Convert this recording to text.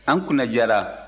an kunnadiyara